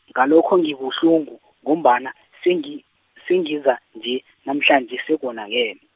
ngalokho ngibuhlungu, ngombana, sengi- sengiza nje, namhlanje sekonakele.